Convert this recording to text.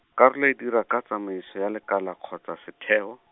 karolo e dira ka tsamaiso ya lekala kgotsa setheo.